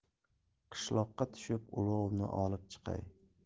qishloqqa tushib ulovni olib chiqay